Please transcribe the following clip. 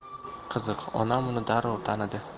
qiziq onam uni darrov tanidi